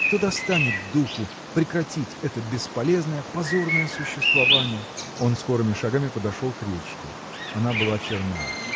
то достанет духу прекратить это бесполезное, позорное существование. Он скорыми шагами подошел к речке. Она была черна.